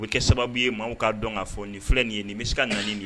U kɛ sababu ye maa k'a dɔn k ka fɔ nin filɛ nin ye nin misi se ka naani nin ye